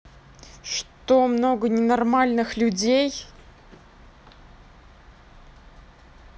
что много ненормальных людей